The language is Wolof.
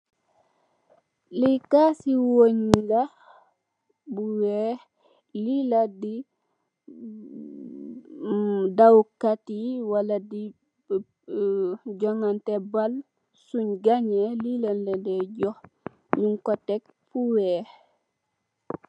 Lii kaassi weungh la bu wekh, li la dii mm dawkatii wala dii ou johnganteh bal sungh gaanju weeh li len la daey jokh, njung kor tek fu wekh.